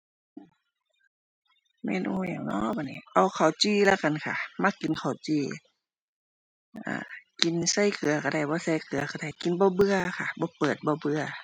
เมนูหยังน้อบัดนี้ เอาข้าวจี่แล้วกันค่ะ มักกินข้าวจี่ กินใส่เกลือก็ได้ บ่ใส่เกลือก็ได้ กินบ่เบื่อค่ะ บ่เปิด บ่เบื่อ